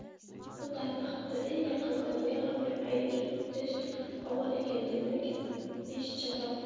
bu dardni hatto eng yaqin odamga ham aytish og'ir ekan demak ish chatoq